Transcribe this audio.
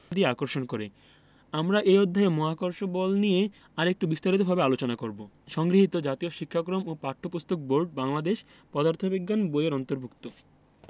দিয়ে আকর্ষণ করে আমরা এই অধ্যায়ে মহাকর্ষ বল নিয়ে আরেকটু বিস্তারিতভাবে আলোচনা করব সংগৃহীত জাতীয় শিক্ষাক্রম ও পাঠ্যপুস্তক বোর্ড বাংলাদেশ পদার্থ বিজ্ঞান বই এর অন্তর্ভুক্ত